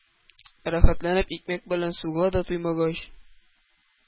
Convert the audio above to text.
Рәхәтләнеп икмәк белән суга да туймагач,